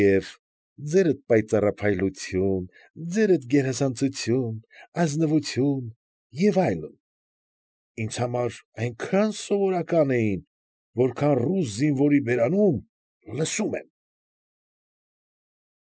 Եվ «ձերդ պայծառափայլություն, ձերդ գերազանցություն, ազնվություն» և այլն, ինձ համար այնքան սովորական էին, որքան այս զինվորի բերանում՝ «Լսում եմ»։